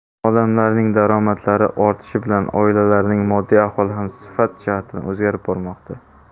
odamlarning daromadlari ortishi bilan oilalarning moddiy ahvoli ham sifat jihatdan o'zgarib bormoqda